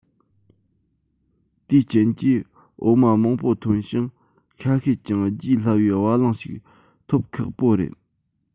དེའི རྐྱེན གྱིས འོ མ མང པོ ཐོན ཞིང ཤ ཤེད ཀྱང རྒྱས སླ བའི བ གླང ཞིག ཐོབ ཁག པོ རེད